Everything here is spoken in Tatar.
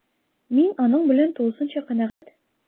Мин аның белән тулысынча канәгать: